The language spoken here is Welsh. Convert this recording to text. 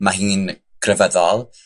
ma' hi'n grefyddol,